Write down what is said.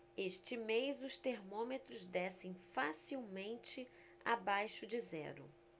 este mês os termômetros descem facilmente abaixo de zero